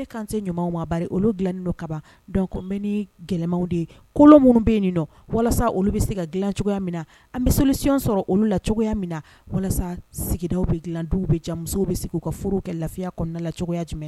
Ale kanse ɲumanw ma olu dilannen dɔ kaban dɔn bɛ gɛlɛyamanw de ye kolon minnu bɛ yen nin walasa olu bɛ se ka g dilan cogoya min na an bɛ selisiy sɔrɔ olu la cogoya min na walasa sigida bɛ g dilan du bɛ jan musow bɛ sigi u ka furu kɛ lafiya kɔnɔna cogoya jumɛn